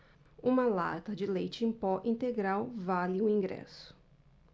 uma lata de leite em pó integral vale um ingresso